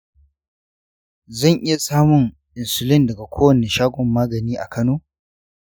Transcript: zan iya samun insulin daga kowani shagon magani a kano?